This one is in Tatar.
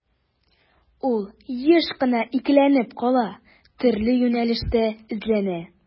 Ул еш кына икеләнеп кала, төрле юнәлештә эзләнә.